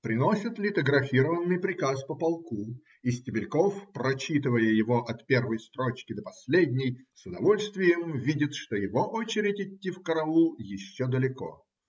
Приносят литографированный приказ по полку, и Стебельков, прочитывая его от первой строчки до последней, с удовольствием видит, что его очередь идти в караул еще далеко.